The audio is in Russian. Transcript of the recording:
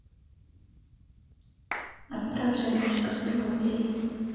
отправь женечка сто рублей